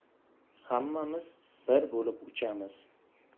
hammamiz bir bo'lib uchamiz